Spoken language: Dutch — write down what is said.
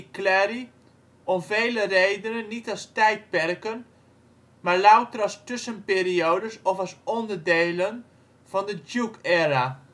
Clary om vele redenen niet als tijdperken maar louter als tussenperiodes of als onderdelen van de Duke Era